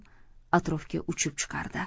atrofga uchib chiqardi